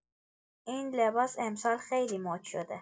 این لباس امسال خیلی مد شده